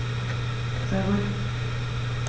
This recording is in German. Sei ruhig.